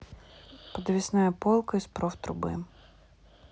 подвесная полка из проф трубы